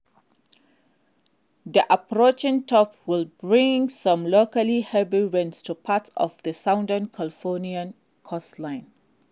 The approaching trough will bring some locally heavy rain to parts of the Southern California coastline.